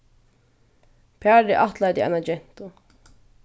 parið ættleiddi eina gentu